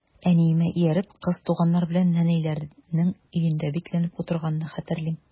Әниемә ияреп, кыз туганнар белән нәнәйләрнең өендә бикләнеп утырганны хәтерлим.